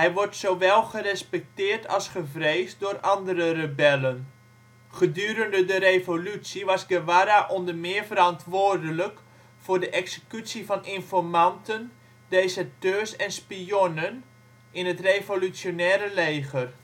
wordt zowel gerespecteerd als gevreesd door andere rebellen. Gedurende de revolutie was Guevara onder meer verantwoordelijk voor de executie van informanten, deserteurs en spionnen in het revolutionaire leger